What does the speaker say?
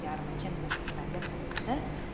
yarmi chin mishmishlarga qaraganda